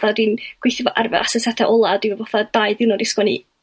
'atha dwi'n gweithio ar fy asasada' ola' a dwi efo fatha dau ddiwrnod i 'sgwennu